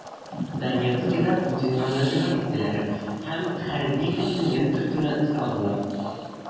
Донецкида Путинга мөрәҗәгать иттеләр һәм хәрби контингент кертүне сорадылар.